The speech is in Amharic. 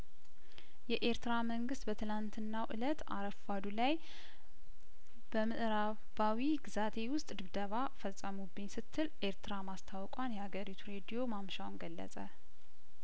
የኤርትራ መንግስት በትላንትናው እለት አረፋዱ ላይ በምእራባዊ ግዛቴ ውስጥ ድብደባ ፈጸሙብኝ ስትል ኤርትራ ማስታወቋን የአገሪቱ ሬድዮ ማምሻውን ገለጸ